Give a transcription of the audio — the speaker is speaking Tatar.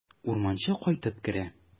Урманчы кайтып керә.